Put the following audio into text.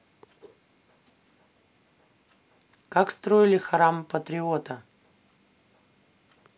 как строили храм патриота